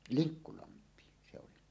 Linkkulampiin se oli